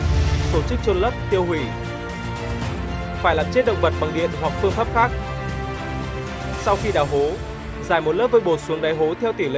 tổ chức chôn lấp tiêu hủy phải chết động vật bằng điện hoặc phương pháp khác sau khi đào hố rải một lớp vôi bột xuống đáy hố theo tỉ lệ